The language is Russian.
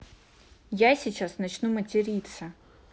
я сейчас начну материться